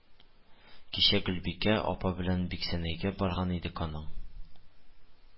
Кичә Гөлбикә апа белән Биксәнәйгә барган идек аның